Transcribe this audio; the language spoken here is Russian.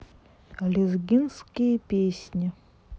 лезгинские песни